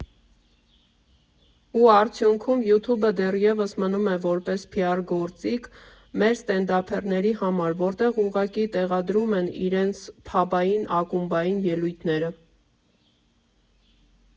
Ու արդյունքում Յութուբը դեռևս մնում է որպես փիար գործիք մեր ստենդափերների համար, որտեղ ուղղակի տեղադրում են իրենց փաբային, ակումբային ելույթները։